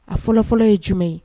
A fɔlɔfɔlɔ ye jumɛn ye